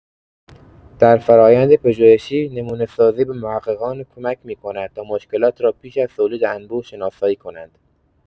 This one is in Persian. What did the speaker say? در فرآیند پژوهشی، نمونه‌سازی به محققان کمک می‌کند تا مشکلات را پیش از تولید انبوه شناسایی کنند.